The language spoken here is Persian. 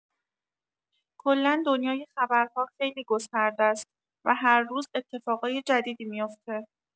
کلا دنیای خبرها خیلی گسترده‌ست و هر روز اتفاقای جدیدی میفته.